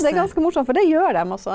det er ganske morsomt for det gjør dem altså.